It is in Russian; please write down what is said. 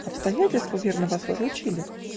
-- Обстоятельства, верно, вас разлучили?